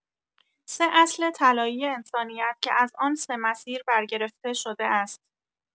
۳ اصل طلایی انسانیت که از آن ۳ مسیر برگرفته شده است